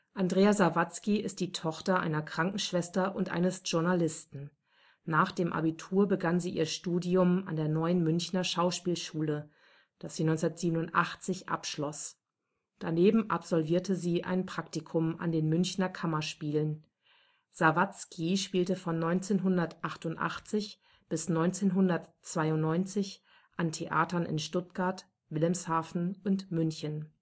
Andrea Sawatzki ist die Tochter einer Krankenschwester und eines Journalisten. Nach dem Abitur begann sie ihr Studium an der Neuen Münchner Schauspielschule, das sie 1987 abschloss. Daneben absolvierte sie ein Praktikum an den Münchner Kammerspielen. Sawatzki spielte von 1988 bis 1992 an Theatern in Stuttgart, Wilhelmshaven und München